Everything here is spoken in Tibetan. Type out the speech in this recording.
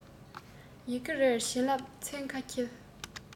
ཡི གེ རེ རེར བྱིན རླབས ཚན ཁ འཁྱིལ